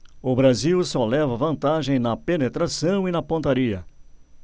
o brasil só leva vantagem na penetração e na pontaria